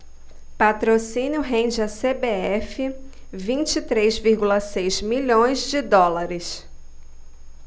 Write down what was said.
patrocínio rende à cbf vinte e três vírgula seis milhões de dólares